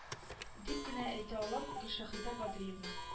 Дип кенә әйтә алам гөлшәһидә бәдриевна